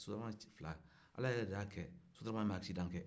sotama fila ala yɛrɛ de y'a kɛ sotarama nin ma akisidan kɛ